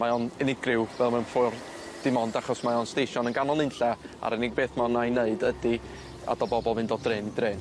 Mae o'n unigryw fel mewn ffwrdd dim ond achos mae o'n steision yn ganol nunlla a'r unig beth ma' yna i neud ydi adal bobol mynd o drên i drên.